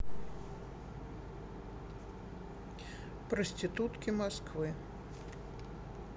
проститутки москвы